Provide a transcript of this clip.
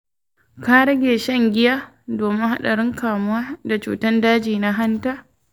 ka rage shan giya domin hadarin kamuwa da cutar daji na hanta.